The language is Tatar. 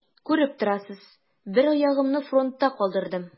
Күреп торасыз: бер аягымны фронтта калдырдым.